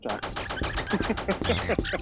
Jax .